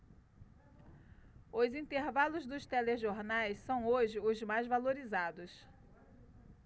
os intervalos dos telejornais são hoje os mais valorizados